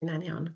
Hwna'n iawn?